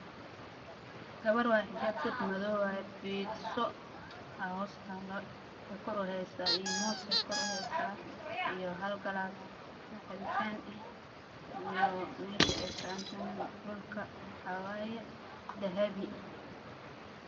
Meeshaan waxaa fadhiyo gabar waxaa hoosyaalo biiso